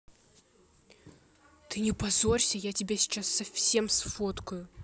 ты не позорься я тебя сейчас совсем сфоткаю